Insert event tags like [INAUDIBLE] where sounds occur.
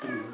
[HESITATION] [HESITATION]